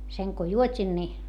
sen kun juotin niin